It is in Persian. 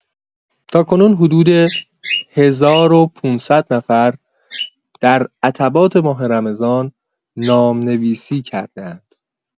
تاکنون حدود هزار و ۵۰۰ نفر در عتبات ماه رمضان نام‌نویسی کرده‌اند.